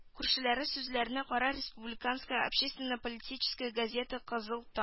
Күршеләре сүзләренә кара республиканская общественно-политическая газета кызыл таң